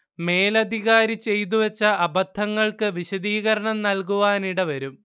മേലധികാരി ചെയ്തു വെച്ച അബദ്ധങ്ങൾക്ക് വിശദീകരണം നൽകുവാനിടവരും